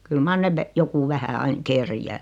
kyllä mar ne - joku vähän aina kerjää